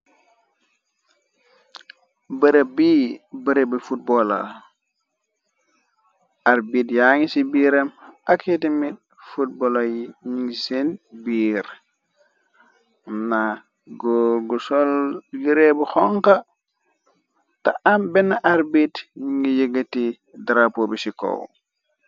bërëb bi bërëbbi football la, arbit yaa ngi ci biiram aki tamit football la yi ñingi sen biir, ma góor gu sol yiree bu xonka te am benn arbit ñi ngi yëgati drapo bi chi caw.